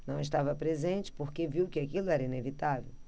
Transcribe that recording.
não estava presente porque viu que aquilo era inevitável